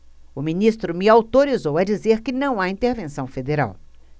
o ministro me autorizou a dizer que não há intervenção federal